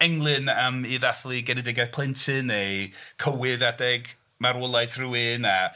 Englyn am... I ddathlu genedigaeth plentyn neu cywydd adeg marwolaeth rywun a...